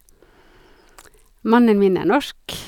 Mannen min er norsk.